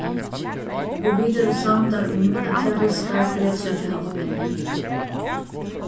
og vit eru samdar um at tað hóskar betri til okkum